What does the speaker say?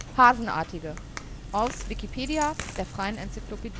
Hasenartige, aus Wikipedia, der freien Enzyklopädie